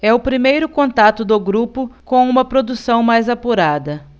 é o primeiro contato do grupo com uma produção mais apurada